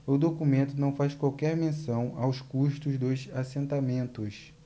o documento não faz qualquer menção aos custos dos assentamentos